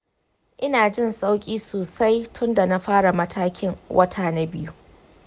ina jin sauƙi sosai tun da na fara matakin wata na biyu.